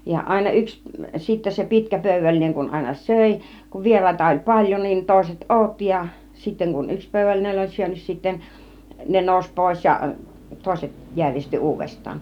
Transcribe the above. ja aina yksi sitten se pitkä pöydällinen kun aina söi kun vieraita oli paljon niin toiset odotti ja sitten kun yksi pöydällinen oli syönyt sitten ne nousi pois ja toiset järjesti uudestaan